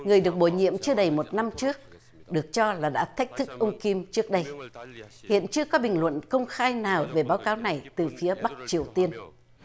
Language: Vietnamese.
người được bổ nhiệm chưa đầy một năm trước được cho là đã thách thức ông kim trước đây hiện chưa có bình luận công khai nào về báo cáo này từ phía bắc triều tiên